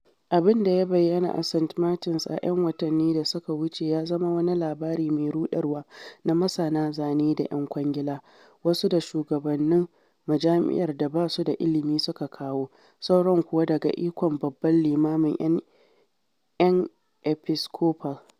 Abin da ya bayyana a St. Martin’s a ‘yan watanni da suka wuce ya zama wani labari mai ruɗarwa na masana zane da ‘yan kwangila, wasu da shugabannin majami’ar da ba su da ilimi suka kawo, sauran kuwa daga ikon babban limamin ‘yan Episcopal.